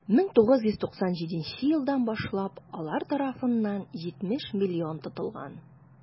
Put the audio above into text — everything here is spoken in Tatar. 1997 елдан башлап алар тарафыннан 70 млн тотылган.